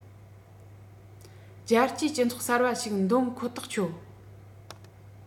རྒྱལ སྤྱིའི སྤྱི ཚོགས གསར པ ཞིག འདོན ཁོ ཐག ཆོད